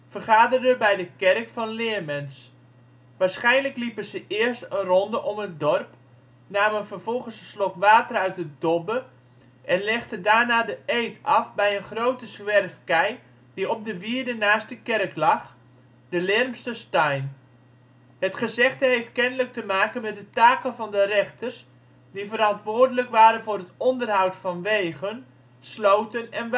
vergaderden bij de kerk van Leermens. Waarschijnlijk liepen ze eerst een ronde om het dorp, namen vervolgens een slok water uit de dobbe, en legden daarna de eed af bij een grote zwerfkei die op de wierde naast de kerk lag, de ' Leermster Stain '. Het gezegde heeft kennelijk te maken met de taken van de rechters, die verantwoordelijk waren voor het onderhoud van wegen, sloten en